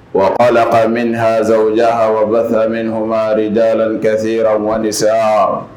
Wa ala aminizsa diya wabasamini hmada ka se 2 sa